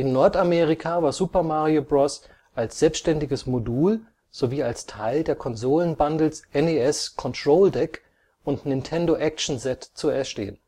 Nordamerika war Super Mario Bros. als selbstständiges Modul sowie als Teil der Konsolen-Bundles NES Control Deck und Nintendo Action Set zu erstehen